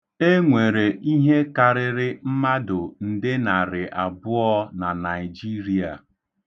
E nwere ihe karịrị mmadụ nde narị abụọ na Naịjria.